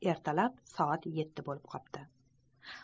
ertalab soat yetti bo'lib qopti